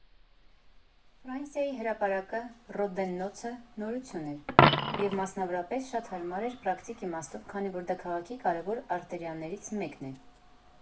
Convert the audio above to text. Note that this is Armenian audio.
Ֆրանսիայի հրապարակը՝ Ռոդեննոցը, նորություն էր, և մասնավորապես շատ հարմար էր պրակտիկ իմաստով, քանի որ դա քաղաքի կարևոր արտերիաներից մեկն է.